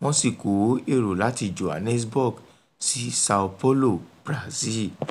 wọ́n sì kó èrò láti Johannesburg sí Sao Paulo, Brazil.